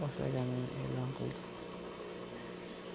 jo'natish boshlanganini e'lon qildi